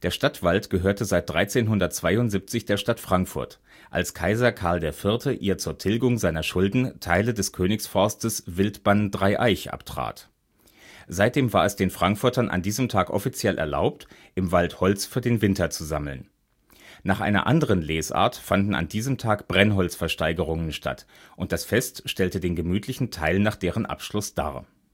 Stadtwald gehörte seit 1372 der Stadt Frankfurt, als Kaiser Karl IV. ihr zur Tilgung seiner Schulden Teile des Königsforstes Wildbann Dreieich abtrat. Seitdem war es den Frankfurtern an diesem Tag offiziell erlaubt, im Wald Holz für den Winter zu sammeln. Nach einer anderen Lesart fanden an diesem Tag Brennholzversteigerungen statt, und das Fest stellte den gemütlichen Teil nach deren Abschluss dar